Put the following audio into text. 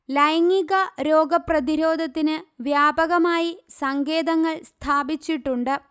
ലൈംഗിക രോഗ പ്രതിരോധത്തിന് വ്യാപകമായി സങ്കേതങ്ങൾ സ്ഥാപിച്ചിട്ടുണ്ട്